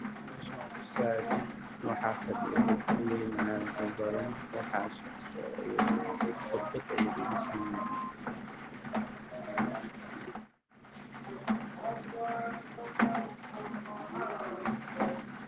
Waa masaajid waxaa joogo dad fara badan oo niman ah waxay wataan qamisa cimaamado guduud ah